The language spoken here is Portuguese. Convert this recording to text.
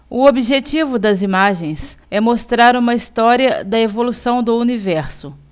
o objetivo das imagens é mostrar uma história da evolução do universo